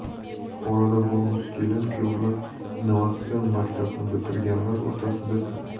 buxoroda bo'lg'usi kelin kuyovlar innovatsion maktabini bitirganlar